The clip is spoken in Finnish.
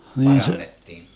niin se